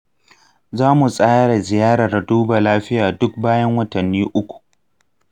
za mu tsara ziyarar duba lafiya duk bayan watanni uku.